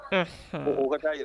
H